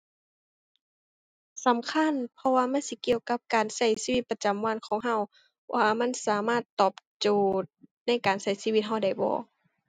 สำคัญ เพราะว่ามันสิเกี่ยวกับการใช้ชีวิตประจำวันของใช้ ว่ามันสามารถตอบโจทย์ในการใช้ชีวิตใช้ได้บ่